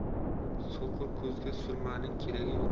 so'qir ko'zga surmaning keragi yo'q